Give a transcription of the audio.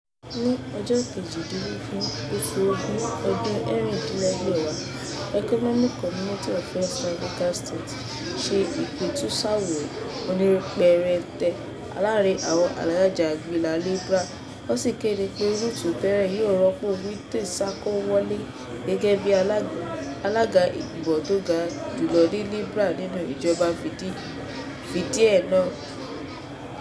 Ní ọjọ́ 18, oṣù Ògún, ọdún 1996, Economic Community of West African States (ECOWAS) ṣe ìpẹ̀tùsáwọ̀ onípérénte láàárìn àwọn alájàngbilà Liberia, wọ́n sì kéde pé Ruth Perry yóò rọ́pò Wilton Sankawulo gẹ́gẹ́ bi alága Ìgbìmọ̀ tó ga jùlọ ní Liberia nínú ìjọba fìdíẹẹ́ náà.